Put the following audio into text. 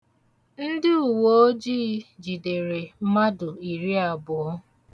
Ndị uweojii jidere mmadụ iriabụọ.